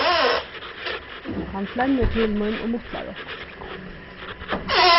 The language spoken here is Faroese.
hann flennir til mín og mutlar okkurt